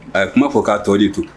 A ye kuma fɔ k'a tɔ de to.